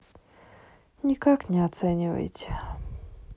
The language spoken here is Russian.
никак не оцениваете